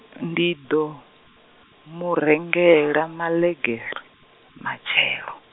ndi ḓo, murengela maḽegere, matshelo.